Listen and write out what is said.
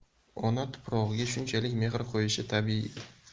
ona tuprog'iga shunchalik mehr qo'yishi tabbiy